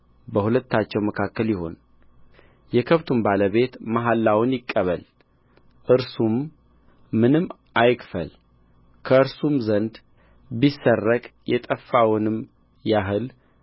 በሁለታቸው መካከል ይሁን የከብቱም ባለቤት መሐላውን ይቀበል እርሱም ምንም አይክፈል ከእርሱም ዘንድ ቢሰረቅ የጠፋውን ያህል